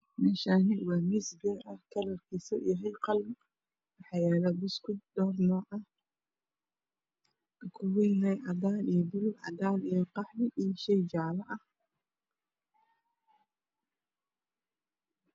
Kani waa miis bir ah kalarkiisu waa qalin waxaa yaalo buskud dhawr nuuc ah sida cadaan iyo buluug, cadaan iyo qaxwi, shay jaale ah.